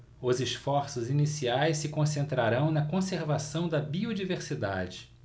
os esforços iniciais se concentrarão na conservação da biodiversidade